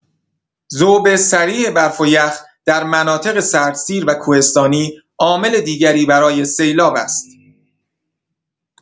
ذوب سریع برف و یخ در مناطق سردسیر و کوهستانی عامل دیگری برای سیلاب است.